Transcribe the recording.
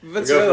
be ti meddwl?